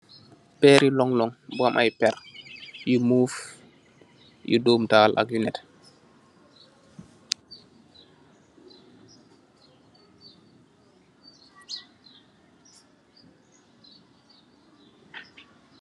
Peeri long long, bu ham aye perr, yu muff, yu doam tahal ak yu nete.